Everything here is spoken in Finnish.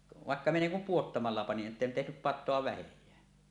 vaikka minä niin kuin pudottamalla panin että en tehnyt patoa vähääkään